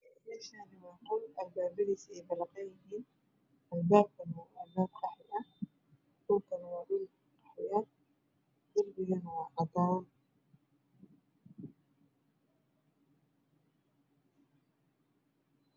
Meeshani waa qol albaabadisii ay balaqan yihiin albabkani waa albaab qaxwi ah dhulkana waa dhul qoyan darbigana waa cadaan